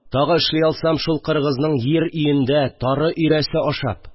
Тагы, эшли алсам, шул кыргызның йир өендә тары өйрәсе ашап